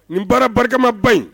Nin baara barikama ba in